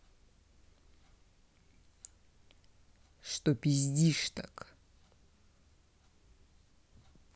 что пиздишь так